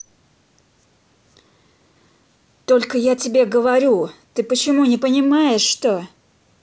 только я тебе говорю ты почему не понимаешь что